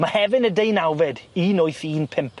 Myhefin y deunawfed un wyth un pump.